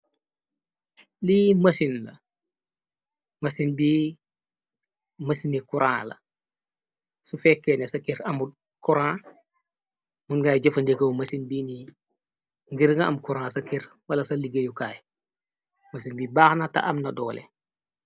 Lii mësin la masin bi mësini kuraan la su fekkeene ca kir am kuran mun ngay jëfa ndegaw mësin bini ngir nga am kuran ca kir wala ca liggéeyukaay mësin bi baaxna te am na dooleh.